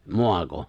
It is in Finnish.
maako